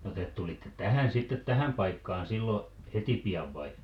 no te tulitte tähän sitten tähän paikkaan silloin heti pian vai